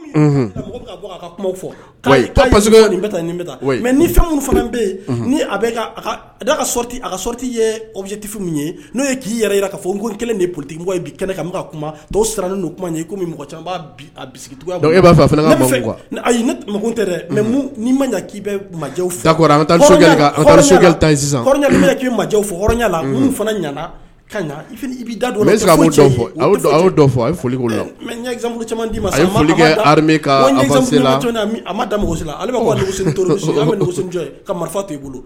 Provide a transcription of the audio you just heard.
A kuma mɛ ni fɛn minnu fana bɛ yen ati a ka sɔti yebijɛtifin min ye n'o ye k'i yɛrɛ ko kelen de ptigi kuma dɔw sara kuma'a ayi tɛ dɛ mɛ ma k' bɛ k'iya ka fɔ a foli caman ma da marifa to i bolo